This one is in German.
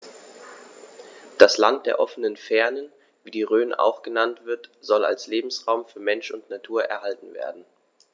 Das „Land der offenen Fernen“, wie die Rhön auch genannt wird, soll als Lebensraum für Mensch und Natur erhalten werden.